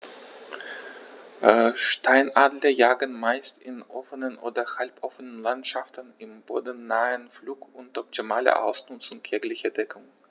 Steinadler jagen meist in offenen oder halboffenen Landschaften im bodennahen Flug unter optimaler Ausnutzung jeglicher Deckung.